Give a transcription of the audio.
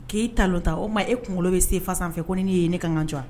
K'i talon ta , o tuma e kunkolo bɛ CEFA san fɛ ko ni ne ye e ye ,ne ka kan ka n ka n jɔ.